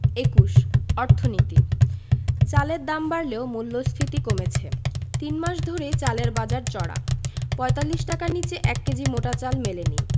২১ অর্থনীতি চালের দাম বাড়লেও মূল্যস্ফীতি কমেছে তিন মাস ধরেই চালের বাজার চড়া ৪৫ টাকার নিচে ১ কেজি মোটা চাল মেলেনি